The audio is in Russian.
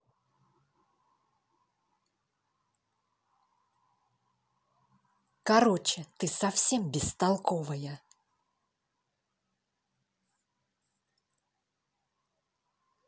короче ты совсем бестолковая